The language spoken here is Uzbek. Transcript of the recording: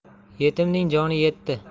yetimning joni yetti